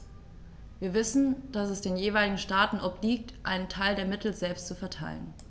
Wir wissen, dass es den jeweiligen Staaten obliegt, einen Teil der Mittel selbst zu verteilen.